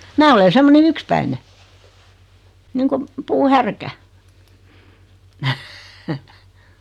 minä olen semmoinen yksipäinen niin kuin puuhärkä